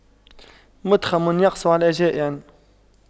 مُتْخَمٌ يقسو على جائع